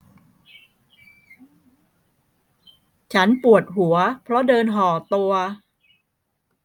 ฉันปวดหัวเพราะเดินห่อตัว